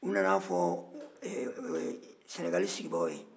u nana fɔ ɛ sɛnɛgali sigibagaw ye